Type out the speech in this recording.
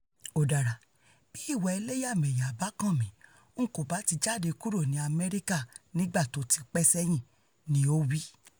Ó dára, bí ìwà ẹlẹ́yàmẹ̀yà bá kàn mi N kòbá ti jáde kuro ní Amẹrika nígba tótipẹ́ sẹ́yìn,'' ni o wí.